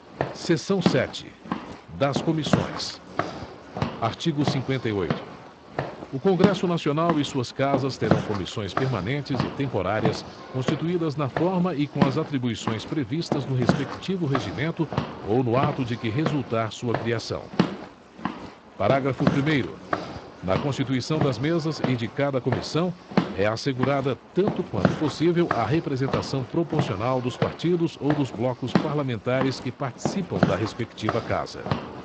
seção sete das comissões artigo cinquenta e oito o congresso nacional e suas casas terão comissões permanentes e temporárias constituídas na forma e com as atribuições previstas no respectivo regimento ou no ato de que resultar sua criação parágrafo primeiro na constituição das mesas e de cada comissão é assegurada tanto quanto possível a representação proporcional dos partidos ou dos blocos parlamentares que participam da respectiva casa